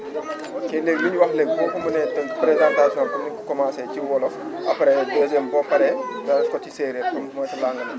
ok léegi li ñu wax léegi boo ñu ko mënee présentation comme ni nga ko commencé ci wolof après deuxième boo paree nga def ko ci séeréer *